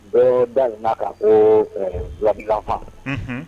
Bɛɛ dalen'a ka ko bilafa